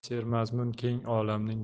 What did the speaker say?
sermazmun keng olamning